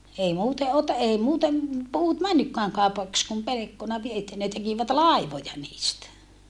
ei muuten - ei muuten puut mennytkään kaupaksi kuin pelkkona - että ne tekivät laivoja niistä